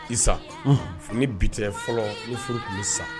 Isa; unhun; Ni bi tɛ fɔlɔ, ni furu tun bɛ sa